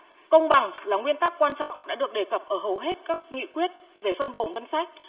công bằng là nguyên tắc quan trọng đã được đề cập ở hầu hết các nghị quyết về phân bổ ngân sách